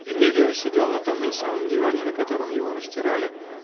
Эмилио сидел на том же самом диване, на котором его растирали